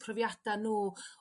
profiada' n'w